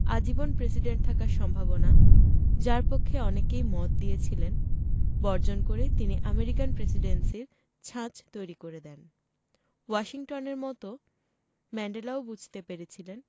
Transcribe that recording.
আজীবন প্রেসিডেন্ট থাকার সম্ভাবনা যার পক্ষে অনেকেই মত দিয়েছিলেন বর্জন করে তিনি আমেরিকান প্রেসিডেন্সির ছাঁচ তৈরি করে দেন ওয়াশিংটনের মতো ম্যান্ডেলাও বুঝতে পেরেছিলেন